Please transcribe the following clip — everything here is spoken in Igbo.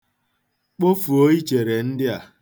Kpofuo ichere ndị a.